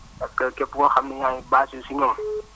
parce képp koo xam ne yaa ngi basé wu si ñoom